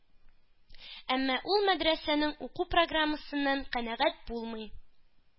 Әмма ул мәдрәсәнең уку программасыннан канәгать булмый,